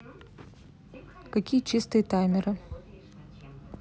какие чистые таймеры